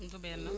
du benn